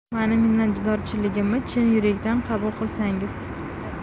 meni minnatdorchiligimni chin yurakdan qabul qilsangiz